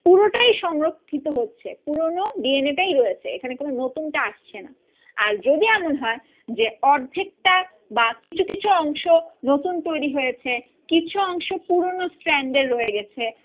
পুরোটাই সংরক্ষিত হচ্ছে পুরোনো ডিএন এ টাই রয়েছে এখনে কোন নতুন টা আসছে না আর যদি এমন হয় যে অর্ধেকটা বা কিছু কিছু অংশ নতুন তৈরি হয়েছে কিছু অংশ পুরোনো স্ট্র্যান্ড এর রয়ে গেছে